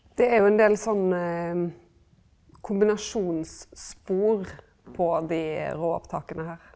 det er jo ein del sånn kombinasjonsspor på dei råopptaka her.